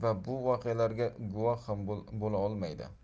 bu voqealarga guvoh ham bo'la olmaydi